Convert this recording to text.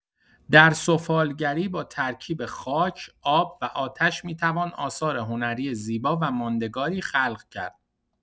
در سفالگری، با ترکیب خاک، آب و آتش می‌توان آثار هنری زیبا و ماندگاری خلق کرد.